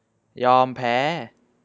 ยอมแพ้